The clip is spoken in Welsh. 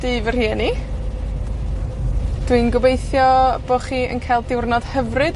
dŷ fy rhieni. Dwi'n gobeithio bo' chi yn ca'l diwrnod hyfryd.